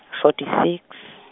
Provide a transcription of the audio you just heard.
forty six.